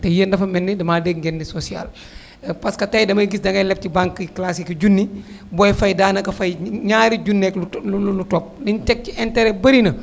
te yéen dafa mel ni dama dégg ngeen ne social parce que tey damay gis dangay leg ci banque yi classique yi junni booy fay daanaka fay ñaari junneeg lu to lu lu topp li ñu teg ci interet bëri n